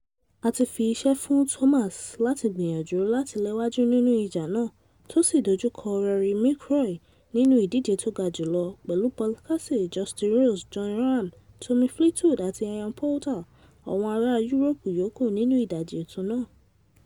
A ti fi iṣẹ́ fún Thomas láti gbìyànjú láti léwájú nínú ìjà náà, tó sì dojú kọ Rory McIlroy nínú ìdíje tó ga jùlọ, pẹ̀lú Paul Casey, Justin Rose, Jon Rahm, Tommy Fleetwood àti Ian Poulter àwọn ará Yúróòpù yòókù nínú ìdajì ètò náà.